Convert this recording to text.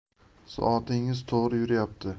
soatingiz to'g'ri yurayapti